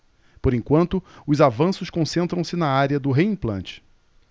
por enquanto os avanços concentram-se na área do reimplante